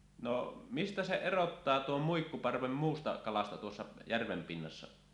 no mistä sen erottaa tuon muikkuparven muusta kalasta tuossa järven pinnassa